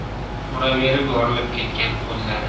uraverib yorilib ketgan qo'llari